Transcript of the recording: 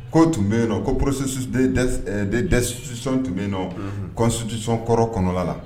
Ko tun bɛ yen nɔn ko porositu dɛtuti tun bɛ yen nɔ kotutu kɔrɔ kɔnɔna la